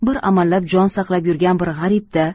bir amallab jon saqlab yurgan bir g'arib da